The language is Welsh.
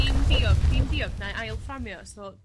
Dim diog dim diog nai ail fframio so